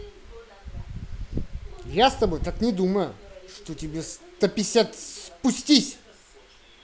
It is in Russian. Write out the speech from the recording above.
я с тобой так не думаю что тебе стописят спустись